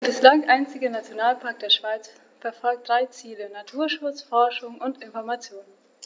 Der bislang einzige Nationalpark der Schweiz verfolgt drei Ziele: Naturschutz, Forschung und Information.